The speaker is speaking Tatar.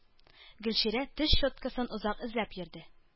Гөлчирә теш щеткасын озак эзләп йөрде.